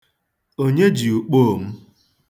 Onye ji ukpoo m?